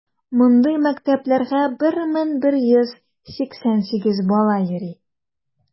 Мондый мәктәпләргә 1188 бала йөри.